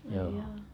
joo